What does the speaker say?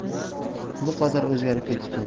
bu qadar o'zgarib ketibsen